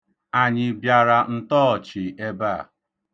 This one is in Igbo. Anyị bịara ntọọchị ebe a?